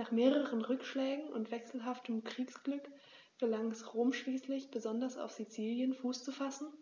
Nach mehreren Rückschlägen und wechselhaftem Kriegsglück gelang es Rom schließlich, besonders auf Sizilien Fuß zu fassen